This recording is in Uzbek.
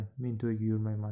men to'yga yurmayman